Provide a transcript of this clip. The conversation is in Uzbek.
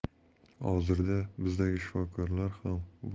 hozirda bizdagi shifokorlar ham